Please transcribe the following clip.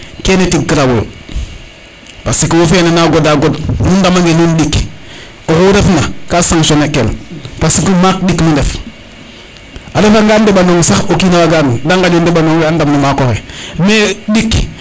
kene tig karawu yo parce que wo fene na goda god nu ndama nge nuun ndik oxu ref na ka sanction ne kel parce que maak ndik nu ndef a refa nga ndeɓanong sax o kina waga an de ŋaƴ o ndeɓanonga xe a ndam no mako xe mais ndik